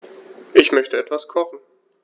Ich möchte etwas kochen.